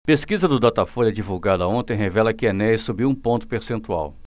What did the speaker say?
pesquisa do datafolha divulgada ontem revela que enéas subiu um ponto percentual